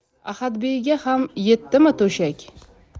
ahadbeyga ham yetdimi to'shak